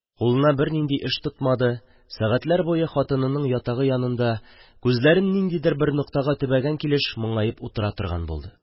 Кулына бернинди эш тотмады, сәгатьләр буе хатынының ятагы янында, күзләрен ниндидер бер ноктага төбәгән килеш, моңаеп утыра торган булды.